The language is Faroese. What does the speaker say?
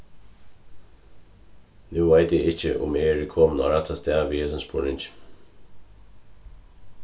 nú veit eg ikki um eg eri komin á rætta stað við hesum spurningi